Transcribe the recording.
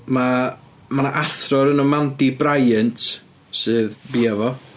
Ma' mae 'na athro o'r enw Mandy Bryant sydd biau fo.